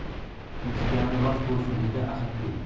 tinchigani rost bo'lsin dedi ahadbey